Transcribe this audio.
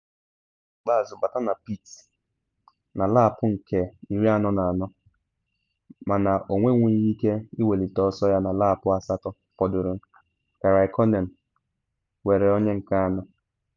Ọ mechara n’ikpeazụ bata na pit na lap nke 44 mana ọ nwenwughi ike iwelite ọsọ ya na lap asatọ fọdụrụ ka Raikkonen were onye nke anọ.